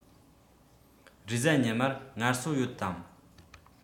རེས གཟའ ཉི མར ངལ གསོ ཡོད དམ